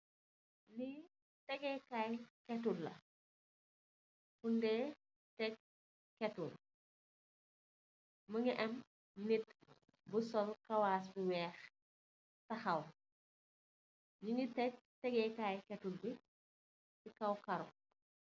Lii nak tegeekay i ketul la. Fuñg Dee Tek kétul la mbu ngi am nit bu taxaw, sol kawaas yu weex. Mu ngi tek tegukaay i kétul bi si kow karo.